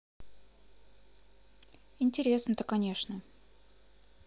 интересно то конечно